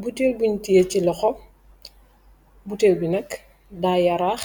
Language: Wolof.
Buteew buñ tie ci loxo buteew bi nakk da yaraax